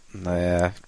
Mae e.